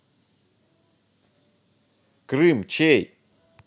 крым чей